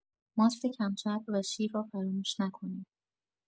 ماست کم‌چرب و شیر را فراموش نکنید.